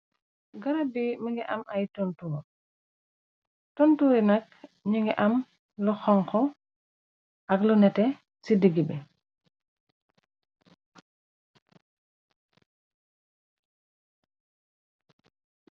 Garab bi mi ngi am ay tontuur tontuuri nak ñu ngi am lu xonku ak lu nete ci digg bi.